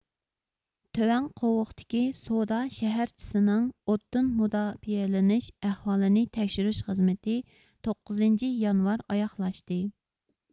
تۆۋەن قوۋۇقتىكى سودا شەھەرچىسىنىڭ ئوتتىن مۇداپىئەلىنىش ئەھۋالىنى تەكشۈرۈش خىزمىتى توققۇزىنچى يانۋار ئاياغلاشتى